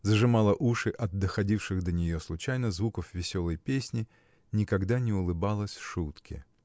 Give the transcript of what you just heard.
зажимала уши от доходивших до нее случайно звуков веселой песни никогда не улыбалась шутке.